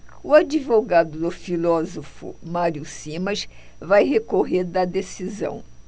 o advogado do filósofo mário simas vai recorrer da decisão